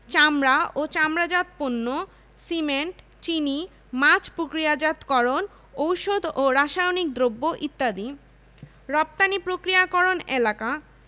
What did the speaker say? চামড়া ও চামড়াজাত পণ্য সিমেন্ট চিনি মাছ প্রক্রিয়াজাতকরণ ঔষধ ও রাসায়নিক দ্রব্য ইত্যাদি রপ্তানি প্রক্রিয়াকরণ এলাকা